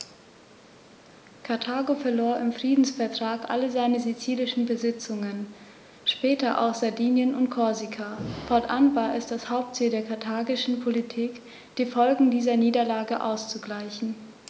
Karthago verlor im Friedensvertrag alle seine sizilischen Besitzungen (später auch Sardinien und Korsika); fortan war es das Hauptziel der karthagischen Politik, die Folgen dieser Niederlage auszugleichen.